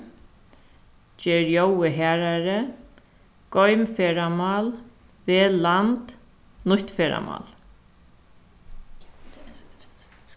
ger ljóðið harðari goym ferðamál vel land nýtt ferðamál